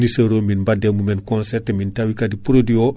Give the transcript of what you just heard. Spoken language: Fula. a waɗi kaadi no pottirɗa waɗirde ni